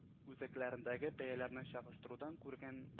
Үзәкләрендәге бәяләрене чагыштырудан күренгән